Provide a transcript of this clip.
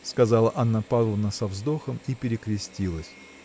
– сказала Анна Павловна со вздохом и перекрестилась.